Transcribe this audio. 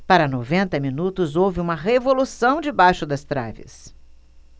para noventa minutos houve uma revolução debaixo das traves